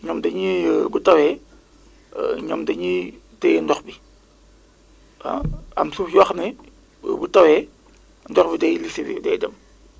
ñoom dañuy bu tawee ñoom dañuy téye ndox bi ah am suuf yoo xam ne bu tawee ndox bi day ruisselé day dem